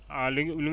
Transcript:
ah li muy